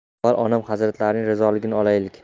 avval onam hazratlarining rizoligini olaylik